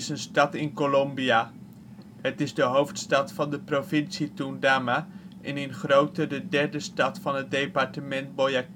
een stad in Colombia. Het is de hoofdstad van de provincie Tundama en in grootte de derde stad van het departement Boyacá